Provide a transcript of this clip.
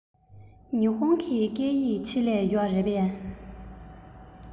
ཉི ཧོང གི སྐད ཡིག ཆེད ལས ཡོད རེད པས